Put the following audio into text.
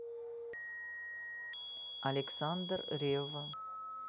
александр ревва